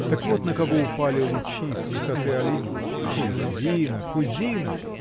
Так вот на кого упали лучи с высоты Олимпа! Кузина! кузина!